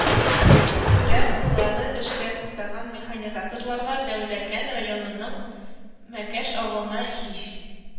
Күрә куллары эшкә сусаган механизаторларга дәүләкән районының мәкәш авылына һич